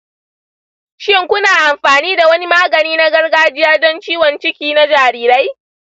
shin kuna amfani da wani magani na gargajiya don ciwon ciki na jarirai?